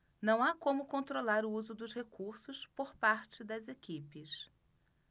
não há como controlar o uso dos recursos por parte das equipes